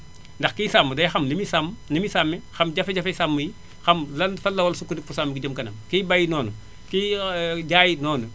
ndax kiy sàmm day xam li muy sàmm ni muy sàmmee xam jafe-jafe sàmm yi xam lan fan la war a sukkandiku sàmm gi jëm kanam kiy bay noonu kiy jaay it noonu